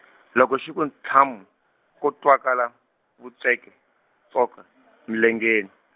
loko xi ku thamu, ko twakala, vutsweke tswoke , milengeni.